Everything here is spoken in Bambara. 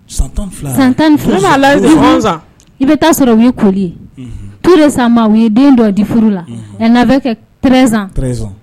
I bɛ sɔrɔ ko u ye den dɔ di furu la bɛ kɛsan